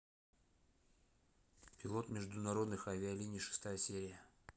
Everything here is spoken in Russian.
пилот международных авиалиний шестая серия